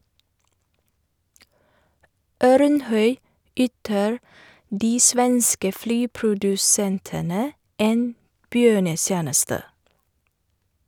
Ørnhøi yter de svenske flyprodusentene en bjørnetjeneste.